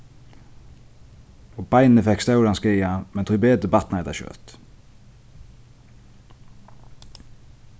beinið fekk stóran skaða men tíbetur batnaði tað skjótt